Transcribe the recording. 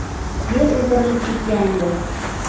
yer o'pirilib ketgandi